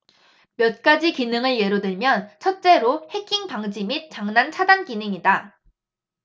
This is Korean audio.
몇 가지 기능을 예로 들면 첫째로 해킹 방지 및 장난 차단 기능이다